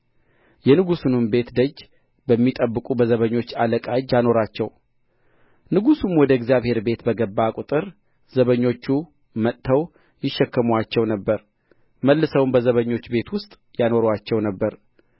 የንጉሡንም ቤት ደጅ በሚጠብቁ በዘበኞች አለቃ እጅ አኖራቸው ንጉሡም ወደ እግዚአብሔር ቤት በገባ ቍጥር ዘበኞች መጥተው ይሸከሙአቸው ነበር መልሰውም በዘበኞች ቤት ውስጥ ያኖሩአቸው ነበር